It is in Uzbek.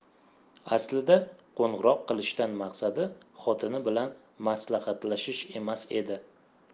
aslida qo'ng'iroq qilishdan maqsadi xotini bilan maslahatlashish emas edi